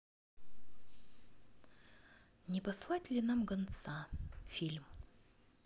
не послать ли нам гонца фильм